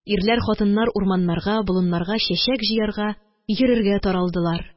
Ирләр, хатыннар урманнарга, болыннарга чәчәк җыярга, йөрергә таралдылар.